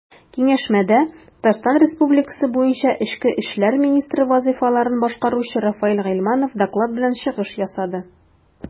Киңәшмәдә ТР буенча эчке эшләр министры вазыйфаларын башкаручы Рафаэль Гыйльманов доклад белән чыгыш ясады.